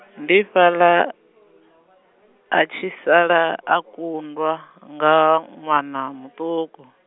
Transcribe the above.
ndi fhaḽa, a tshi sala a kundwa, nga ṅwana muṱuku.